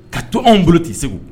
Ka to anw bolo tɛ segu